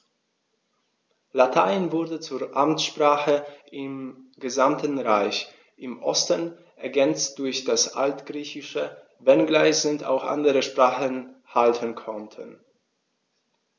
Latein wurde zur Amtssprache im gesamten Reich (im Osten ergänzt durch das Altgriechische), wenngleich sich auch andere Sprachen halten konnten.